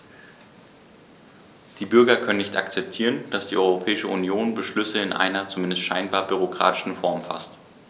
Die Bürger können nicht akzeptieren, dass die Europäische Union Beschlüsse in einer, zumindest scheinbar, bürokratischen Form faßt.